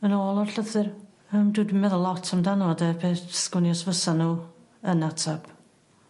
yn ôl o'r llythyr yym dw dwi meddwl lot amdano 'de be' sgwn i os fysa n'w yn atab.